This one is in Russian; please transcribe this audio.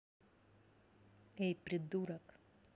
эй придурок